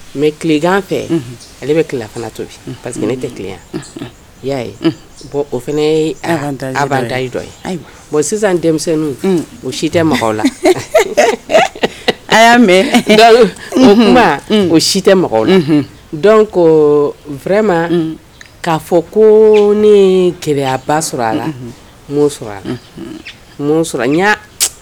Mɛgan fɛ ale bɛfana to parceseke ne tɛ yan i y'a ye o fana b'anyi dɔ ye sisan denmisɛnnin o si tɛ mɔgɔw la a y'a mɛnba o si tɛ mɔgɔw la dɔn ko wɛrɛma k'a fɔ ko ni gɛlɛyayaba sɔrɔ a la sɔrɔ